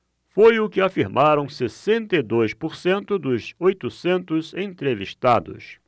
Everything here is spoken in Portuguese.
foi o que afirmaram sessenta e dois por cento dos oitocentos entrevistados